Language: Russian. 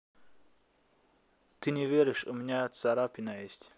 ты не веришь у меня царапина есть